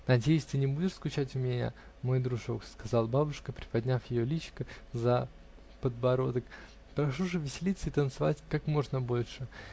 -- Надеюсь, ты не будешь скучать у меня, мой дружок -- сказала бабушка, приподняв ее личико за под бородок, прошу же веселиться и танцевать как можно больше.